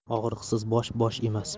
og'riqsiz bosh bosh emas